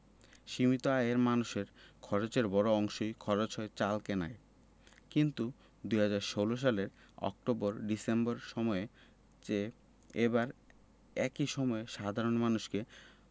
সীমিত আয়ের মানুষের খরচের বড় অংশই খরচ হয় চাল কেনায় কিন্তু ২০১৬ সালের অক্টোবর ডিসেম্বর সময়ের চেয়ে এবার একই সময়ে সাধারণ মানুষকে